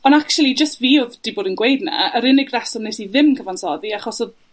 Ond actually jyst fi odd 'di bod yn gweud 'na, yr unig reswm nes i ddim cyfansoddi, achos odd